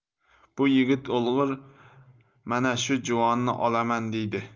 bu yigit o'lgur mana shu juvonni olaman deydi